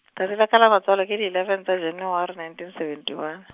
tsatsi la ka la matswalo, ke di eleven tsa January nineteen seventy one .